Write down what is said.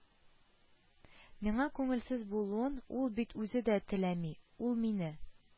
Миңа күңелсез булуын ул бит үзе дә теләми, ул мине